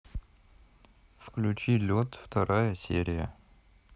включи лед вторая серия